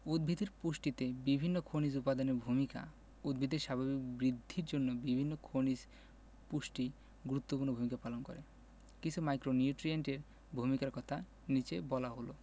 উদ্ভিদের পুষ্টিতে বিভিন্ন খনিজ উপাদানের ভূমিকা উদ্ভিদের স্বাভাবিক বৃদ্ধির জন্য বিভিন্ন খনিজ পুষ্টি গুরুত্বপূর্ণ ভূমিকা পালন করে কিছু ম্যাক্রোনিউট্রিয়েন্টের ভূমিকার কথা নিচে বলা হল